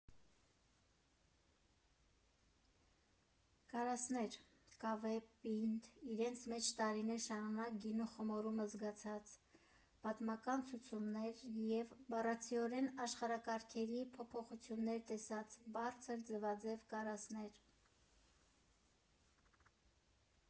Կարասներ, կավե, պինդ, իրենց մեջ տարիներ շարունակ գինու խմորումը զգացած, պատմական ցնցումներ և, բառացիորեն, աշխարհակարգերի փոփոխություններ տեսած, բարձր, ձվաձև կարասներ։